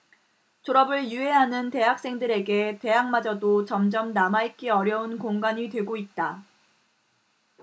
졸업을 유예하는 대학생들에게 대학마저도 점점 남아 있기 어려운 공간이 되고 있다